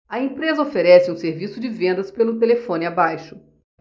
a empresa oferece um serviço de vendas pelo telefone abaixo